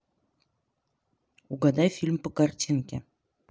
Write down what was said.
угадай фильм по картинке